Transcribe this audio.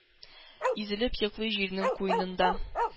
Изелеп йоклый җирнең куенында.